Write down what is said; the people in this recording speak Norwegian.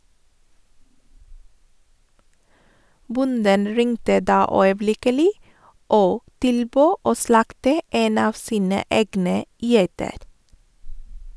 Bonden ringte da øyeblikkelig og tilbød å slakte en av sine egne geiter.